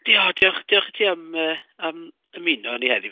Dio- diolch diolch i ti am yy am ymuno â ni heddi.